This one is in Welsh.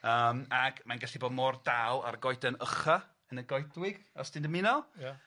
Yym ag mae'n gallu bod mor dal a'r goeden ycha yn y goedwig os 'di'n dymuno. Ia.